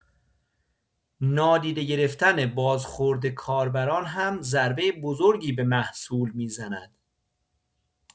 نادیده گرفتن بازخورد کاربران هم ضربه بزرگی به محصول می‌زند.